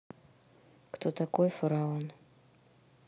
кто такой фараон